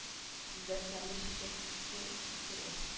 Җилләр тәмле чәчәк исе китерә